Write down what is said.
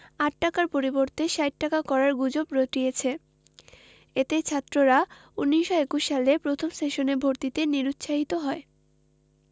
৮ টাকার পরিবর্তে ৬০ টাকা করার গুজব রটিয়েছে এতে ছাত্ররা ১৯২১ সালে প্রথম সেশনে ভর্তিতে নিরুৎসাহিত হয়